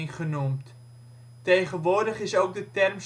genoemd. Tegenwoordig is ook de term